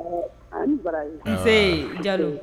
Ni barase jadu